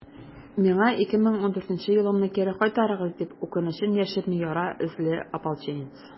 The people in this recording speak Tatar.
«миңа 2014 елымны кире кайтарыгыз!» - дип, үкенечен яшерми яра эзле ополченец.